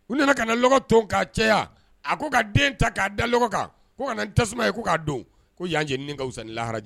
U nana ka na lɔgɔ ton k'a caya, a ko ka den ta k'a da lɔgɔ kan, ko ka na ni tasuma ye ko k'a don. Ko yan jɛnini ka fisa ni lahara ta ye.